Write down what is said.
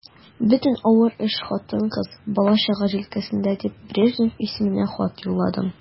Бөтен авыр эш хатын-кыз, бала-чага җилкәсендә дип, Брежнев исеменә хат юлладым.